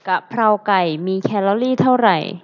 กะเพราไก่มีแคลอรี่เท่าไหร่